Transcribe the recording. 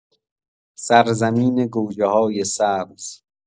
سرزمین گوجه‌های سبز